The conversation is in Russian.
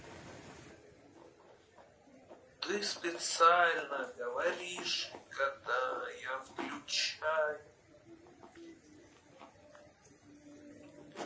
ты специально говоришь когда я включаю